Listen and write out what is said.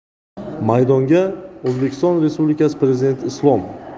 maydonga o'zbekiston respublikasi prezidenti islom